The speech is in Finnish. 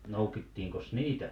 noukittiinkos niitä